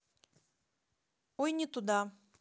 ой не туда